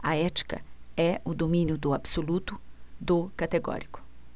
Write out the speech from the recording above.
a ética é o domínio do absoluto do categórico